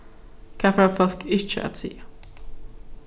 hvat fara fólk ikki at siga